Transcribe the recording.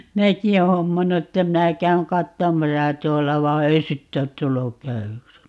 minäkin olen hommannut että minä käyn katsomassa tuolla vaan ei sitten ole tullut käydyksi